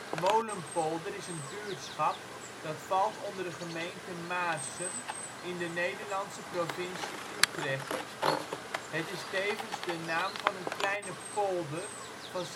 Molenpolder is een buurtschap dat valt onder de gemeente Maarssen in de Nederlandse provincie Utrecht. Het is tevens de naam van een kleine polder van